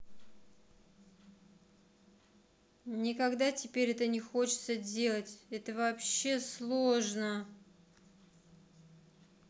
никогда теперь это не хочется делать это вообще сложно